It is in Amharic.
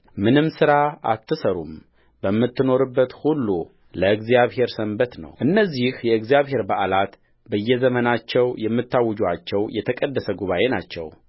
ምንም ሥራ አትሠሩም በምትኖሩበት ሁሉ ለእግዚአብሔር ሰንበት ነውእነዚህ የእግዚአብሔር በዓላት በየዘመናቸው የምታውጁአቸው የተቀደሰ ጉባኤ ናቸው